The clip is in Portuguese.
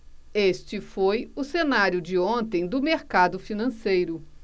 este foi o cenário de ontem do mercado financeiro